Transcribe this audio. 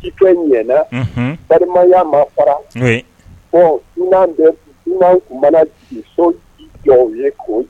Ci tɛ ɲɛ yya ma fɔra mana bi so jɔ ye ko